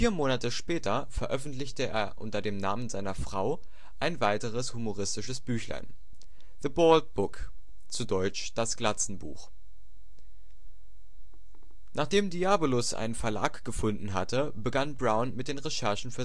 Monate später veröffentlichte er unter dem Namen seiner Frau ein weiteres humoristisches Büchlein: The Bald Book (deutsch: Das Glatzenbuch). Nachdem Diabolus einen Verlag gefunden hatte, begann Brown mit den Recherchen